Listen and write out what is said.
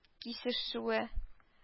Кисешүе